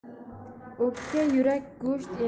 o'pka yurak go'sht